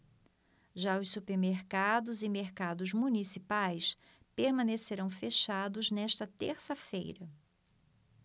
já os supermercados e mercados municipais permanecerão fechados nesta terça-feira